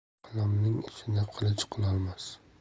qalamning ishini qilich qilolmas